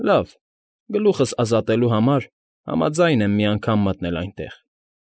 Լ՛ավ, գլուխս ազատելու համար համաձայն եմ մի անգամ մտնել այնտեղ։